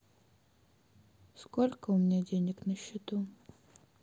сколько у меня денег на счету